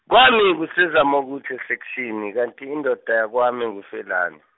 kwami, kuseZamokuhle Section, kanti indoda yakwami nguFelani.